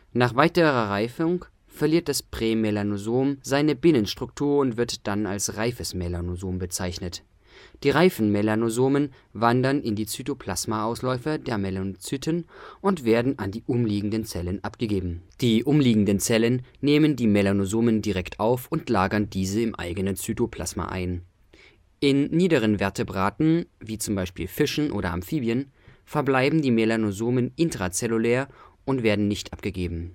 Nach der weiteren Reifung verliert das Prämelanosom seine Binnenstruktur und wird dann als „ reifes Melanosom “bezeichnet. Die reifen Melanosomen wandern in die Zytoplasma-Ausläufer der Melanozyten und werden an die umliegenden Zellen abgegeben. Die umliegenden Zellen nehmen die Melanosomen direkt auf und lagern diese im eigenen Zytoplasma ein. In niederen Vertebraten (Fische, Amphibien) verbleiben die Melanosomen intrazellulär und werden nicht abgegeben